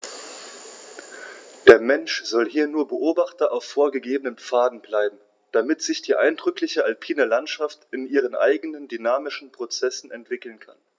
Der Mensch soll hier nur Beobachter auf vorgegebenen Pfaden bleiben, damit sich die eindrückliche alpine Landschaft in ihren eigenen dynamischen Prozessen entwickeln kann.